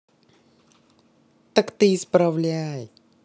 так ты исправляй